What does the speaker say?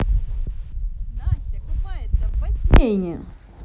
настя купается в бассейне